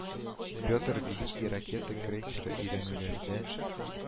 Петр Великий ракета крейсеры өйрәнүләрдә